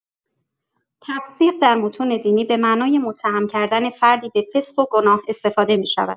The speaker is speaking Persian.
تفسیق در متون دینی به معنای متهم کردن فردی به فسق و گناه استفاده می‌شود.